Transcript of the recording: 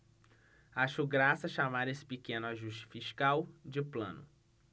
acho graça chamar esse pequeno ajuste fiscal de plano